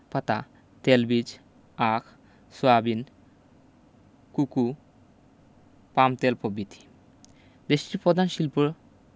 পাতা তেলবীজ আখ সয়াবিন কুকু পামতেল পভিতি দেশটির প্রধান শিল্প